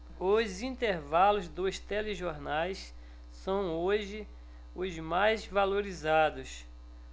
os intervalos dos telejornais são hoje os mais valorizados